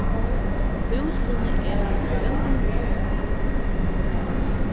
húsini eru í góðum standi